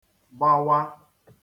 gbawa